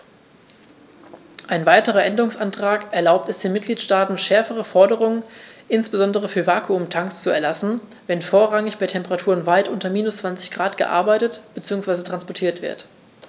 Ein weiterer Änderungsantrag erlaubt es den Mitgliedstaaten, schärfere Forderungen, insbesondere für Vakuumtanks, zu erlassen, wenn vorrangig bei Temperaturen weit unter minus 20º C gearbeitet bzw. transportiert wird.